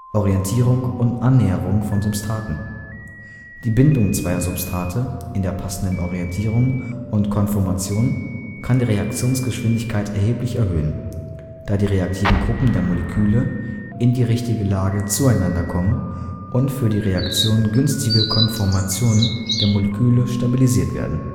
Orientierung und Annäherung von Substraten Die Bindung zweier Substrate in der passenden Orientierung und Konformation kann die Reaktionsgeschwindigkeit erheblich erhöhen, da die reaktiven Gruppen der Moleküle in die richtige Lage zueinander kommen und für die Reaktion günstige Konformationen der Moleküle stabilisiert werden